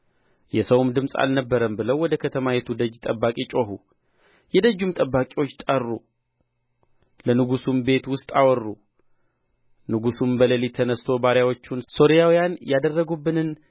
የሰውም ድምፅ አልነበረም ብለው ወደ ከተማይቱ ደጅ ጠባቂ ጮኹ የደጁም ጠባቂዎች ጠሩ ለንጉሡም ቤት ውስጥ አወሩ ንጉሡም በሌሊት ተነሥቶ ባሪያዎቹን ሶርያውያን ያደረጉብንን